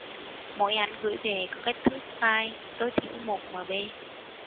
mỗi ảnh gửi về có kích thước file tối thiểu một mb